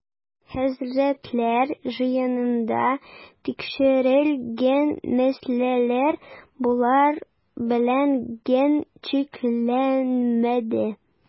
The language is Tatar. Хәзрәтләр җыенында тикшерел-гән мәсьәләләр болар белән генә чикләнмәде.